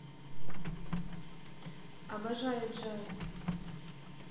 обожаю jazz